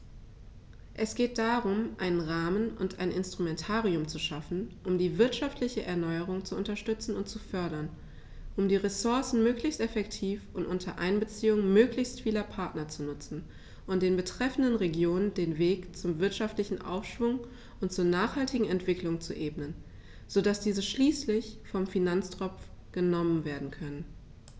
Es geht darum, einen Rahmen und ein Instrumentarium zu schaffen, um die wirtschaftliche Erneuerung zu unterstützen und zu fördern, um die Ressourcen möglichst effektiv und unter Einbeziehung möglichst vieler Partner zu nutzen und den betreffenden Regionen den Weg zum wirtschaftlichen Aufschwung und zur nachhaltigen Entwicklung zu ebnen, so dass diese schließlich vom Finanztropf genommen werden können.